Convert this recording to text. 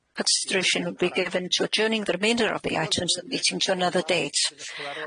consideration will be given to adjourning the remainder of the items meeting to another date.